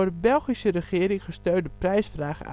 Belgische regering gesteunde prijsvraag